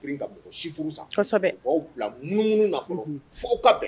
Girin ka mɔgɔsi furu sa kɔsɛbɛ u b'aw bila munumunu na fɔlɔ unhun f'ow ka bɛn